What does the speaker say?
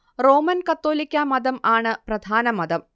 Roman കത്തോലിക്കാ മതം ആണ് പ്രധാന മതം